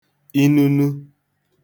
inunu